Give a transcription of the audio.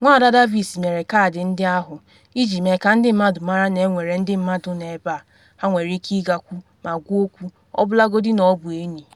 Nwada Davis mere kaadị ndị ahụ, “iji mee ka ndị mmadụ mara na enwere ndị mmadụ nọ ebe a ha nwere ike ịgakwu ma gwa okwu, ọbụlagodi na ọ bụ enyi.